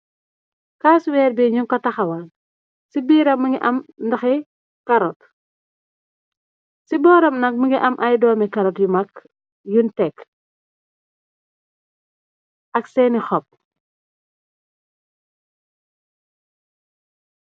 Kaasuweer bi ñu ko taxawaal ci biiram mngi am ndaxi karot ci booram nag mi ngi am ay doomi karot yumag yuñ tekk ak seeni xop.